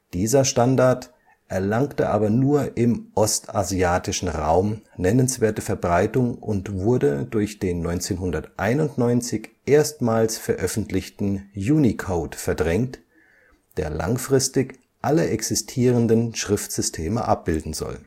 Dieser Standard erlangte aber nur im ostasiatischen Raum nennenswerte Verbreitung und wurde durch den 1991 erstmals veröffentlichten Unicode verdrängt, der langfristig alle existierenden Schriftsysteme abbilden soll